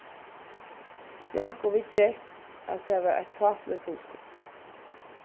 jákup viðgekk at tað var eitt tápuligt hugskot